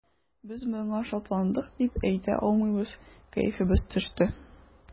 Без моңа шатландык дип әйтә алмыйбыз, кәефебез төште.